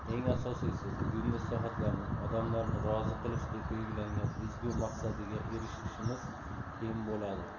eng asosiysi bugungi islohotlarning odamlarni rozi qilish deb belgilangan ezgu maqsadiga erishishimiz qiyin bo'ladi